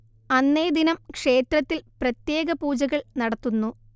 അന്നേ ദിനം ക്ഷേത്രത്തിൽ പ്രത്യേക പൂജകൾ നടത്തുന്നു